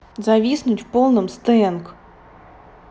зависнуть в полном стенк